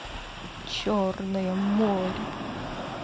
черное море